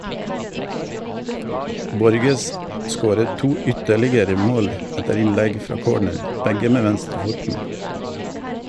Borges scoret to ytterligere mål etter innlegg fra corner , begge med venstrefoten.